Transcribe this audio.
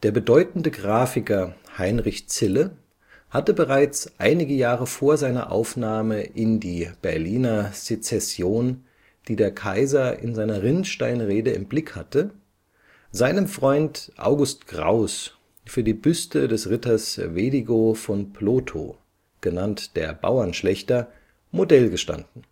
bedeutende Grafiker Heinrich Zille hatte bereits einige Jahre vor seiner Aufnahme in die Berliner Secession, die der Kaiser in seiner „ Rinnsteinrede “im Blick hatte (s. u.), seinem Freund August Kraus für die Büste des Ritters Wedigo von Plotho, genannt der Bauernschlächter, Modell gestanden